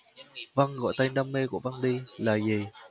vân gọi tên đam mê của vân đi là gì